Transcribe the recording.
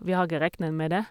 Vi har ikke regnet med det.